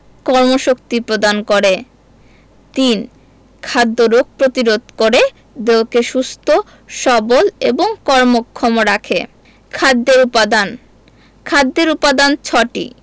কর্মশক্তি প্রদান করে ৩. খাদ্য রোগ প্রতিরোধ করে দেহকে সুস্থ সবল এবং কর্মক্ষম রাখে খাদ্যের উপাদান খাদ্যের উপাদান ছয়টি